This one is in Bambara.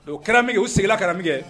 O kɛra min kɛ u seginna ka na min kɛ